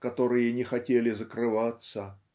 которые не хотели закрываться.